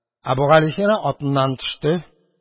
Әбүгалисина атыннан төште.